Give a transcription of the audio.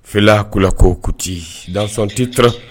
Fila kuko kuti sɔntitura